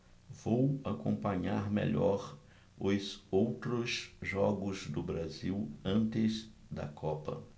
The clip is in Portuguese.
vou acompanhar melhor os outros jogos do brasil antes da copa